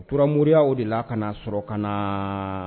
A tora moriya o de la ka na sɔrɔ ka na